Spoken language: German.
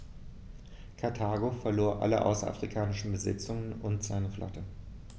Karthago verlor alle außerafrikanischen Besitzungen und seine Flotte.